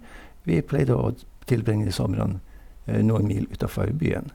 Vi pleide å t tilbringe somrene noen mil utafor byen.